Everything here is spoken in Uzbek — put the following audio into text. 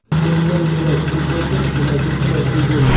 kelinim elakli bo'ldi elagi tilakli bo'ldi